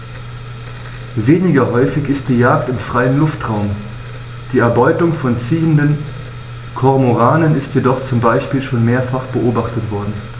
Weniger häufig ist die Jagd im freien Luftraum; die Erbeutung von ziehenden Kormoranen ist jedoch zum Beispiel schon mehrfach beobachtet worden.